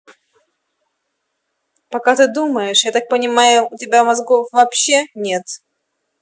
пока ты думаешь я так понимаю что у тебя вообще мозгов нет